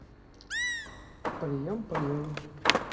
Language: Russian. прием прием